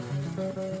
Wa